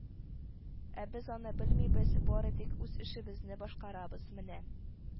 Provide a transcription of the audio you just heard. Ә без аны белмибез, бары тик үз эшебезне башкарабыз – менә